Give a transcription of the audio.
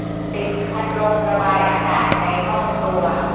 ปิดพัดลมระบายอากาศในห้องครัว